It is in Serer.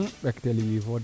ɓektel yiifo de